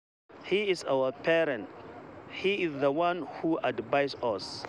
He is our parent, he is the one who advises us.